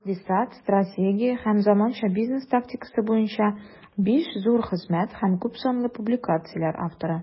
Икътисад, стратегия һәм заманча бизнес тактикасы буенча 5 зур хезмәт һәм күпсанлы публикацияләр авторы.